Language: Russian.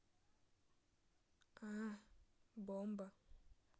а бомба